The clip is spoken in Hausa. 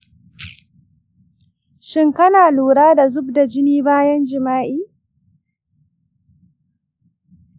shin kana lura da zub da jini bayan jima'i?